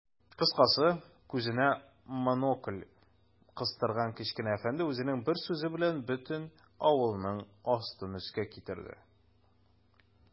Кыскасы, күзенә монокль кыстырган кечкенә әфәнде үзенең бер сүзе белән бөтен авылның астын-өскә китерде.